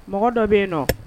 Mɔgɔ dɔ bɛ yen nɔ